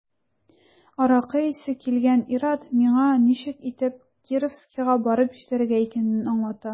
Аракы исе килгән ир-ат миңа ничек итеп Кировскига барып җитәргә икәнен аңлата.